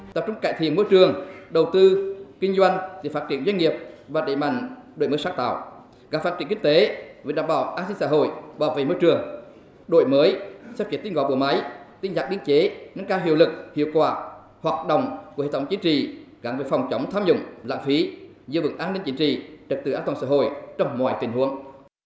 tập trung cải thiện môi trường đầu tư kinh doanh để phát triển doanh nghiệp và đẩy mạnh đổi mới sáng tạo gắn phát triển kinh tế với đảm bảo an sinh xã hội bảo vệ môi trường đổi mới sắp xếp tinh gọn bộ máy tinh giản biên chế nâng cao hiệu lực hiệu quả hoạt động quỹ tổng chính trị gắn với phòng chống tham nhũng lãng phí giữ vững an ninh chính trị trật tự an toàn xã hội trong mọi tình huống